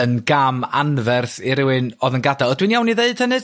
yn gam anferth i rywun o'dd yn gada'l ydw i'n iawn i ddeud hynny Tara